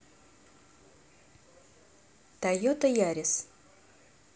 тойота ярис